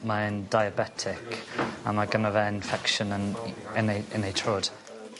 Mae'n diabetic a ma' gynno fe infection yn 'i yn ei yn ei trod.